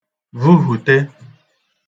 vuhùte